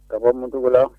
Ka bɔ munugu la